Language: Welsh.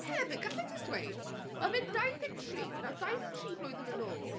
Hefyd, gallai jyst dweud, mae fe'n dau ddeg tri. Nawr dau ddeg tri blwyddyn yn ôl...